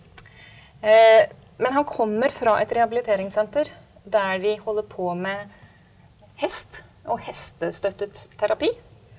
men han kommer fra et rehabiliteringssenter der de holder på med hest og hestestøttet terapi.